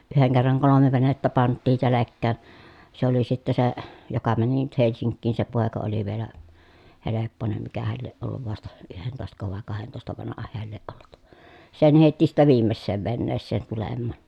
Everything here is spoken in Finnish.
yhden kerran kolme venettä pantiin selkään se oli sitten se joka meni nyt Helsinkiin se poika oli vielä helppoinen mikähän lie ollut vasta yhdentoistako vai kahdentoista vanha hän lie ollut sen heitti sitten viimeiseen veneeseen tulemaan